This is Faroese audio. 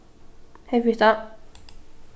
hey fitta